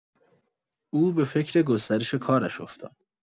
او به فکر گسترش کارش افتاد.